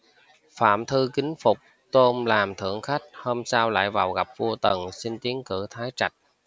phạm thư kính phục tôn làm thượng khách hôm sau lại vào gặp vua tần xin tiến cử thái trạch